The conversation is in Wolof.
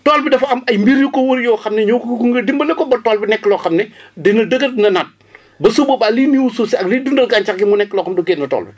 tool bi dafa am ay mbir yu ko wër yoo xam ne ñoo ko gunge dimbale ko ba tool bi nekk loo xam ne dina dëgg ne naat ba su boobaa liy ñuulal suuf si ak liy dundal gàncax gi mu nekk loo xam du génn tool bi